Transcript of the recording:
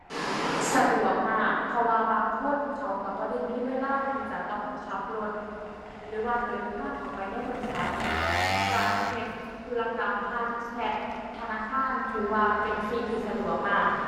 สะดวกมาก เพราะว่าบางคนเขาก็บ่ได้มีเวลาที่จะต้องขับรถหรือว่าเดินทางเข้าไปในบริษัท การเฮ็ดธุรกรรมทางแชตธนาคารถือว่าเป็นสิ่งที่สะดวกมาก